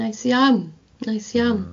Mm, neis iawn, neis iawn.